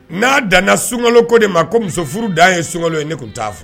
N'a danna sunkaloko de ma ko musofuru dan ye sunkalo ye ne tun t'a furu